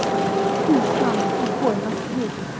ты самый тупой на свете